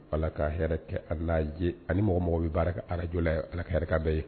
Ala ka hɛrɛ kɛ' jɛ ani mɔgɔ mɔgɔ bɛ baara kɛ araj ye alahaɛ bɛɛ ye